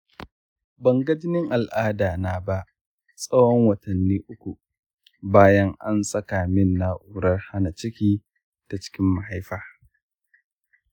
ban ga jinin al'ada na ba a tsawon watanni uku bayan an saka min na’urar hana ciki ta cikin mahaifa